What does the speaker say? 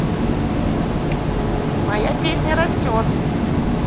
моет песня растет